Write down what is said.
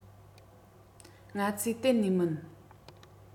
ང ཚོའི གཏན ནས མིན